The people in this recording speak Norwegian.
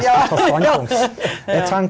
ja ja ja.